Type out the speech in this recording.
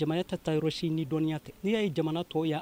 Jamana ta taa yɔrɔsi ni dɔnniya tɛ n'i' ye jamana tɔya